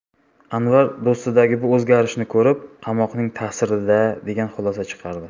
anvar do'stidagi bu o'zgarishni ko'rib qamoqning ta'siri da degan xulosa chiqardi